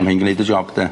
A mai'n gneud y job de.